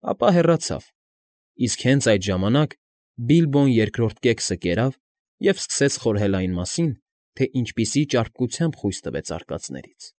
Ապա հեռացավ, իսկ հենց այդ ժամանակ Բիլբոն երկրորդ կեքսը կերավ ու սկսեց խորհել այն մասին, թե ինչպիսի ճարպկությամբ խույս տվեց արկածներից։